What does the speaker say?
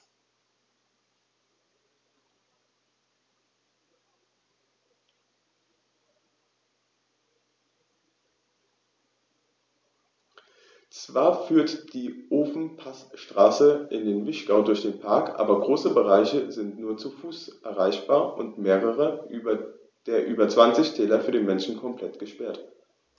Zwar führt die Ofenpassstraße in den Vinschgau durch den Park, aber große Bereiche sind nur zu Fuß erreichbar und mehrere der über 20 Täler für den Menschen komplett gesperrt.